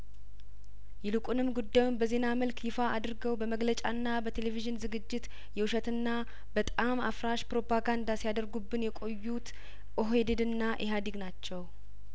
ይልቁንም ጉዳዩን በዜና መልክ ይፋ አድርገው በመግለጫና በቴሌቪዥን ዝግጅት የውሸትና በጣም አፍራሽ ፕሮፓጋንዳ ሲያደርጉብን የቆዩት ኦህዴድና ኢህአዴግ ናቸው